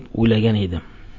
deb uylagan edi